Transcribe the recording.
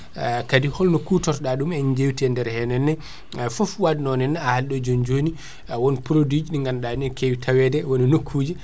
kaadi holno kutorto ɗa ɗum en jewti e nder hennene foof wade non henna an joni joni won produit ji ɗi ganduɗa henna ne keewi tawede won e nokkuji